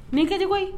Ni ko